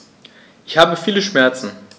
Ich habe viele Schmerzen.